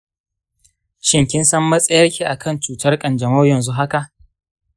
shin kinsan matsayar ki akan cutar kanjamau yanzu haka?